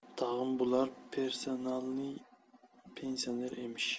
tag'in bular persanalniy pensaner emish